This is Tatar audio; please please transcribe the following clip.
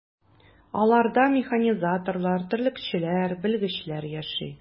Аларда механизаторлар, терлекчеләр, белгечләр яши.